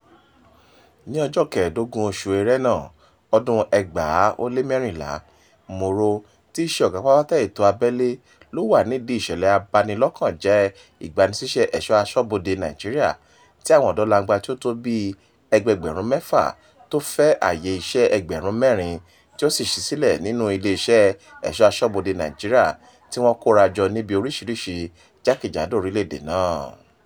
Ní ọjọ́ 15, oṣù Ẹrẹ́nà, ọdún-un 2014, Moro, tí í ṣe ọ̀gá pátápátá ètò abélé, ló wà nídìí ìṣẹ̀lẹ̀ abanilọ́kànjẹ́ Ìgbanisíṣẹ́ Ẹ̀ṣọ̀ aṣọ́bodè Nàìjíríà tí àwọn ọ̀dọ́langba tí ó tó bíi ẹgbẹẹgbẹ̀rún 6 tó fẹ́ àyè iṣẹ́ ẹgbẹ̀rún 4 tí ó ṣí sílẹ̀ nínú iléeṣẹ́ Ẹ̀ṣọ̀ Aṣọ́bodè Nàìjíríà tí wọ́n kóra jọ níbi orísìírísìí jákèjádò orílẹ̀ èdè náà.